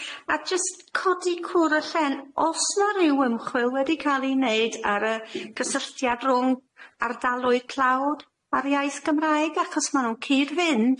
a jyst codi cwr y llen os ma' ryw ymchwil wedi ca'l 'i neud ar y cysylltiad rhwng ardaloedd tlawd a'r iaith Gymraeg, achos ma' nw'n cyd-fynd